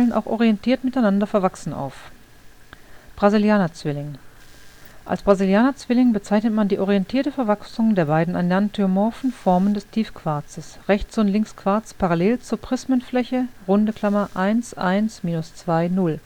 orientiert miteinander verwachsen auf. Brasilianer Zwilling: Als Brasilianer Zwilling bezeichnet man die orientierte Verwachsung der beiden enanthiomorphen Formen des Tiefquarzes, Rechts - und Linksquarz parallel zur Prismenfläche (1 1-2 0